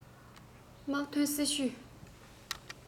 དམག དོན སྲིད ཇུས